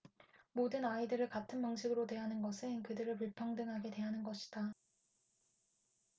모든 아이들을 같은 방식으로 대하는 것은 그들을 불평등하게 대하는 것이다